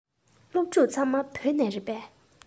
སློབ ཕྲུག ཚང མ བོད ལྗོངས ནས རེད པས